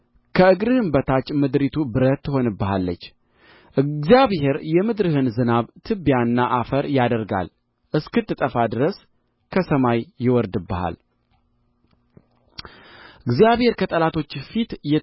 ከእግርህም በታች ምድሪቱ ብረት ትሆንብሃለች እግዚአብሔር የምድርህን ዝናብ ትቢያና አፈር ያደርጋል እስክትጠፋ ድረስ ከሰማይ ይወርድብሃል እግዚአብሔር ከጠላቶችህ ፊት